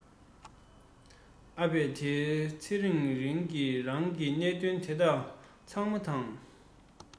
ཨ ཕས དེའི ཚེ ཚེ རིང གི རང གི གནད དོན དེ དག ཚང མ དང